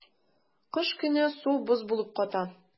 Кыш көне су боз булып ката.